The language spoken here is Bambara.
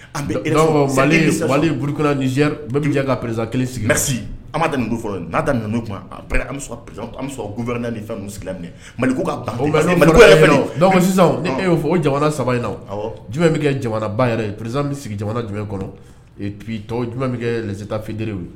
A bɛ saba buruk ka pereriz kelen sigilasi ma fɔlɔ n'a da gfɛ fɛn silamɛ maliku sisan e y'o fɔ o jamana saba in juma bɛ kɛ jamana ba yɛrɛ ye perez bɛ sigi jamana jumɛn kɔnɔ tɔw jumɛn bɛ kɛ ta fitiri ye